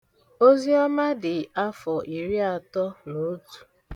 Ozioma dị afọ iriatọ na otu.